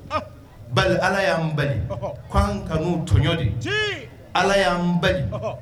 Ala y'an bali k' anan ka n' tɔɔnli ala y'an bali